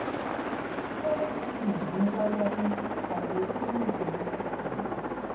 스노윙 치킨은 눈가루 같은 치즈 가루를 뿌린 메뉴를 뜻한다